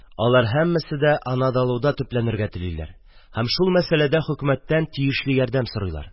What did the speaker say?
Алар һәммәсе дә Анадолуда төпләнергә телиләр һәм шул мәсәләдә хөкүмәттән тиешле ярдәм сорыйлар.